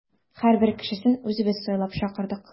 Һәрбер кешесен үзебез сайлап чакырдык.